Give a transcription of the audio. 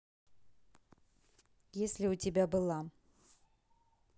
если у тебя была